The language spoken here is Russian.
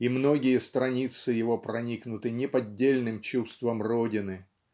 И многие страницы его проникнуты неподдельным чувством родины.